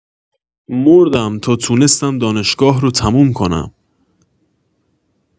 مردم تا تونستم دانشگاه رو تموم کنم